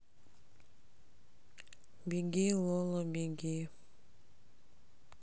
беги лола беги